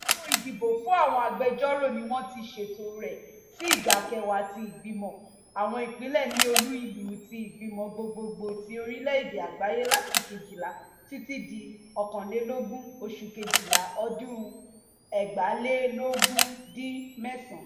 Àwọn ìdìbò fún àwọn agbẹjọ́rò ni wọ́n ti ṣètò rẹ sí ìgbà kẹwàá ti Ìgbìmọ̀ àwọn Ìpínlẹ̀ ní Olú-ìlú ti Ìgbìmọ̀ Gbogbogbò ti Orílè-èdè Àgbáyé láti 12 títí di 21oṣù Kejìlá, ọdún 2011.